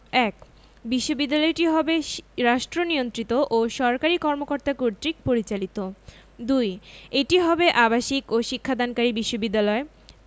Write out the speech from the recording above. ১. বিশ্ববিদ্যালয়টি হবে রাষ্ট্রনিয়ন্ত্রিত ও সরকারি কর্মকর্তা কর্তৃক পরিচালিত ২. এটি হবে আবাসিক ও শিক্ষাদানকারী বিশ্ববিদ্যালয়